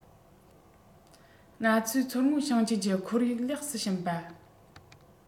ང ཚོས མཚོ སྔོན ཞིང ཆེན གྱི ཁོར ཡུག ལེགས སུ ཕྱིན པ